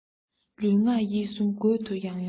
ལུས ངག ཡིད གསུམ རྒོད དུ ཡང ཡང ཤོར